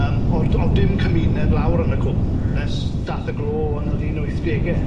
Yym o'dd o'dd dim cymuned lawr yn y cwm nes dath y glo yn yr un wyth dege.